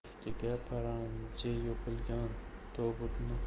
ustiga paranji yopilgan tobutni